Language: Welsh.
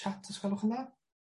chat os gwelwch yn dda?